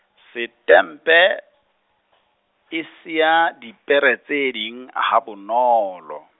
Setempe , e siya dipere tse ding ha bonolo.